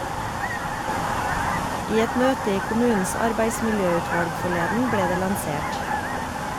I et møte i kommunens arbeidsmiljøutvalg forleden ble det lansert.